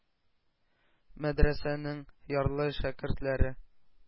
Мәдрәсәнең ярлы шәкертләре